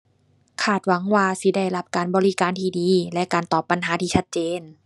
คาดหวังว่าสิได้รับการบริการที่ดีและการตอบปัญหาที่ชัดเจน